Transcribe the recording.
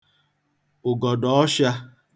ụ̀gọ̀dụ̀ ọshụā